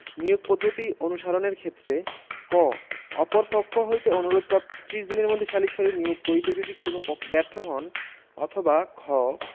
নিয়োগ পদ্ধতি অনুসারণের ক্ষেত্রে ক অপর পক্ষ হইতে অনুরোধ প্রাপ্তির ত্রিশ দিনের মধ্যে সালিসকারী নিয়োগ করিতে যদি কোন পক্ষ ব্যর্থ হন অথবা খ